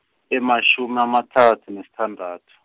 e matjhumi amathathu nesithandathu.